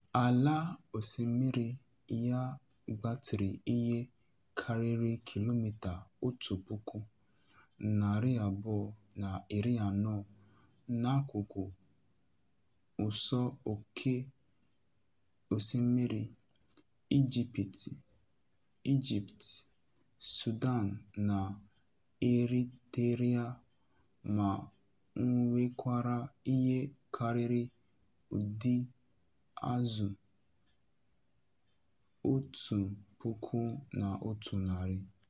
Ala osimiri ya gbatịrị ihe karịrị kilomita otu puku, narị abụọ na iri anọ n'akụkụ ụsọ oke osimiri Ijipt, Sudan na Eriterịa ma nwekwara ihe karịrị ụdị azụ otu puku na otu narị.